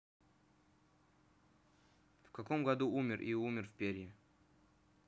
в каком году умер и умер в перья